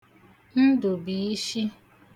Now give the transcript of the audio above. Ndụ̀biishi